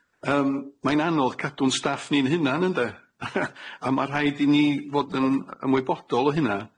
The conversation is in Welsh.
Ym ma' 'i'n anodd cadw'n staff ni'n hunan ynde, a ma' rhaid i ni fod yn ymwybodol o hynna.